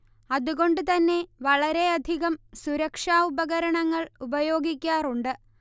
അതുകൊണ്ട് തന്നെ വളരെയധികം സുരക്ഷ ഉപകരണങ്ങൾ ഉപയോഗിക്കാറുണ്ട്